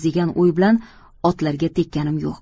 degan o'y bilan otlarga tekkanim yo'q